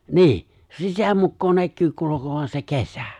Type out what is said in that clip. niin se sitä mukaa näkyy kulkevan se kesä